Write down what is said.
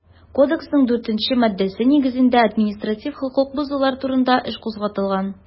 Кодексның 4 нче маддәсе нигезендә административ хокук бозулар турында эш кузгатылган.